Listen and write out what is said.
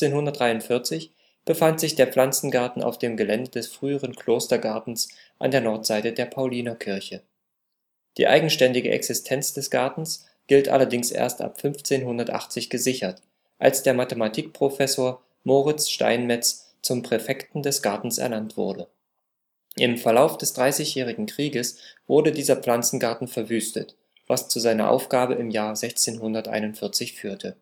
1543 befand sich der Pflanzengarten auf dem Gelände des früheren Klostergartens an der Nordseite der Paulinerkirche. Die eigenständige Existenz des Gartens gilt allerdings erst ab 1580 gesichert, als der Mathematikprofessor Moritz Steinmetz zum Präfekten des Gartens ernannt wurde. Im Verlauf des Dreißigjährigen Krieges wurde dieser Pflanzengarten verwüstet, was zu seiner Aufgabe im Jahr 1641 führte